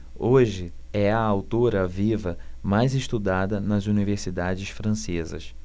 hoje é a autora viva mais estudada nas universidades francesas